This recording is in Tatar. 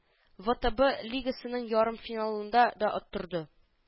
ВэТэБэ Лигасының ярымфиналында да оттырды